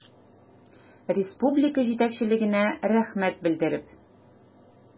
Республика җитәкчелегенә рәхмәт белдереп.